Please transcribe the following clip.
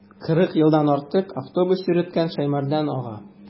Кырык елдан артык автобус йөрткән Шәймәрдан ага.